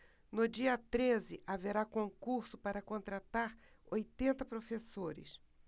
no dia treze haverá concurso para contratar oitenta professores